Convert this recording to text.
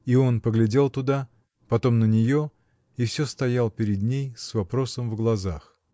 И он поглядел туда, потом на нее, и всё стоял перед ней, с вопросом в глазах.